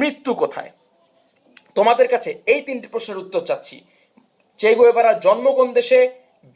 মৃত্যু কোথায় তোমাদের কাছে তিনটি প্রশ্নের উত্তর চাচ্ছি চে গুয়েভারার জন্ম কোন দেশে